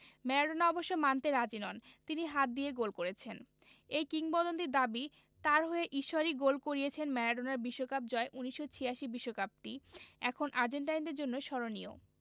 Maradona অবশ্য মানতে রাজি নন তিনি হাত দিয়ে গোল করেছেন এই কিংবদন্তির দাবি তাঁর হয়ে ঈশ্বরই গোল করিয়েছেন ম্যারাডোনার বিশ্বকাপ জয় ১৯৮৬ বিশ্বকাপটি এখনো আর্জেন্টাইনদের জন্য স্মরণীয়